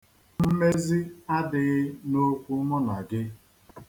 Mmezi adịghị n'okwu mụ na gị.